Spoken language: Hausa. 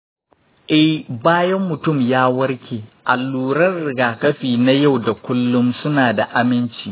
eh, bayan mutum ya warke, alluran rigakafi na yau da kullun suna da aminci.